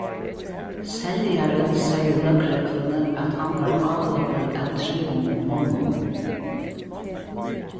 seljarin segði løgregluni at hann varð álopin av trimum monnum